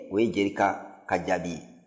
o ye jerika ka jaabi ye